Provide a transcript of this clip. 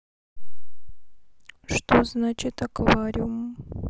что значит аквариум